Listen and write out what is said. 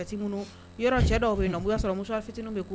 Yɔrɔ cɛ dɔw yen y'a sɔrɔ muso fitinin bɛ